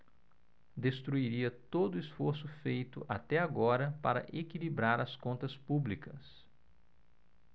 destruiria todo esforço feito até agora para equilibrar as contas públicas